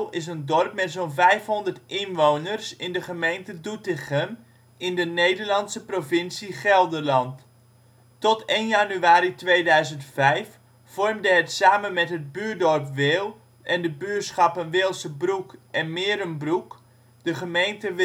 is een dorp met zo 'n 500 inwoners in de gemeente Doetinchem, in de Nederlandse provincie Gelderland. Tot 1 januari 2005 vormde het samen met het buurdorp Wehl en de buurschappen Wehlse Broek en Meerenbroek de gemeente